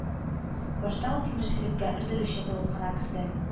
Башта ул тимерчелеккә өрдерүче булып кына керде